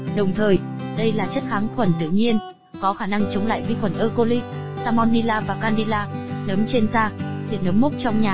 đồng thời đây là chất kháng khuẩn tự nhiên có khả năng chống lại các chủng vi khuẩn mạnh như e coli và salmonella candila nấm trên da diệt nấm mốc trong nhà